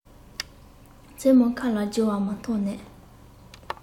མཚན མོ མཁའ ལ རྒྱུ བ མ མཐོང ནས